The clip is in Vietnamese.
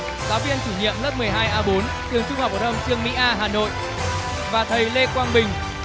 giáo viên chủ nhiệm lớp mười hai a bốn trường trung học phổ thông chương mỹ hà nội và thầy lê quang bình